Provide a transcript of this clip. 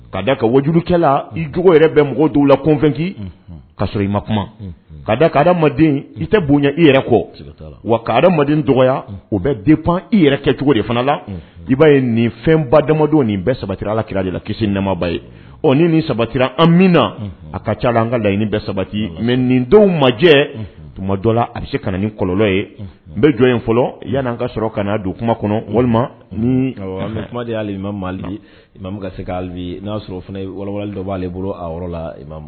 Ka da ka wajukɛla i dugawu yɛrɛ bɛ mɔgɔ d la kofɛn ka sɔrɔ i ma kuma ka da kada maden i tɛ bonya i yɛrɛ kɔ wa ka maden dɔgɔ o bɛ den pan i yɛrɛ kɛ cogo de fana la i ba ye nin fɛn ba damadenw nin bɛɛ sabati alakira de la kisi namaba ye ɔ ni nin sabatira an min na a ka ca an ka laɲini bɛɛ sabati mɛ nin denw ma jɛ tuma majɔ la a bɛ se ka nin kɔlɔ ye n bɛ jɔ in fɔlɔ yan'an ka sɔrɔ ka'a don kuma kɔnɔ walima ni kuma y'ale i ma mali se'ale na'a sɔrɔ o fana ye dɔ b'aale bolo a yɔrɔ la i ma